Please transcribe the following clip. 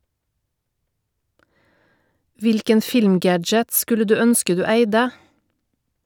Hvilken film-gadget skulle du ønske du eide?